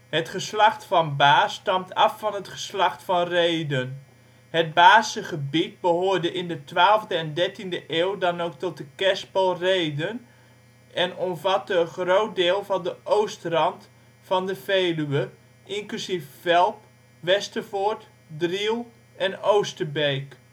Het geslacht Van Baer stamt af van het geslacht Van Rheden. Het Bahrse gebied behoorde in de 12e en 13e eeuw dan ook tot de kerspel Rheden en omvatte een groot deel van de oostrand van de Veluwe, inclusief Velp, Westervoort, Driel en Oosterbeek